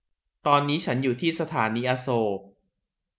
ตอนนี้ฉันอยู่ที่สถานีอโศก